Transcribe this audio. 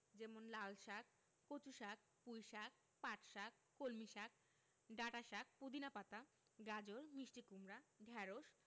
যেমন লালশাক কচুশাক পুঁইশাক পাটশাক কলমিশাক ডাঁটাশাক পুদিনা পাতা গাজর মিষ্টি কুমড়া ঢেঁড়স